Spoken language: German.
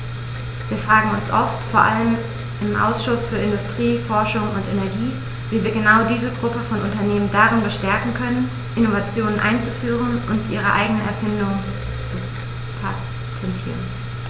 Wir fragen uns oft, vor allem im Ausschuss für Industrie, Forschung und Energie, wie wir genau diese Gruppe von Unternehmen darin bestärken können, Innovationen einzuführen und ihre eigenen Erfindungen zu patentieren.